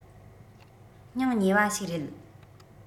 སྙིང ཉེ བ ཞིག རེད